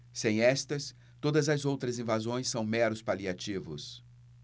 sem estas todas as outras invasões são meros paliativos